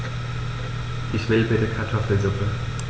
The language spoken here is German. Ich will bitte Kartoffelsuppe.